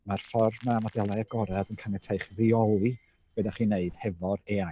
Mae'r ffordd ma' modelau agored yn caniatáu i chi reoli be da chi'n wneud hefo'r AI,